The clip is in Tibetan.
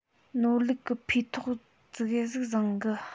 ནོར ལུག གི འཕེས ཐོག ཙིག གེ ཟིག བཟང གི